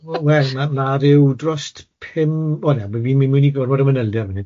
Wel, ma' ryw drost pum, wel na, wi wi wi'n mynd i gormod y manylder fan hyn.